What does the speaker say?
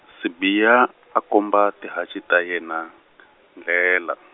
Sibiya, a komba tihanci ta yena, ndlela.